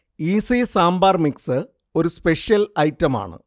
easy sambar mix ഒരു special ഐറ്റമാണ്